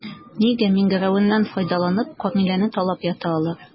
Нигә миңгерәюеннән файдаланып, Камиләне талап ята алар?